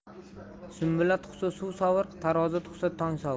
sumbula tug'sa suv sovir tarozi tug'sa tong sovir